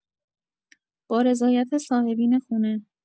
با رضایت صاحبین خونه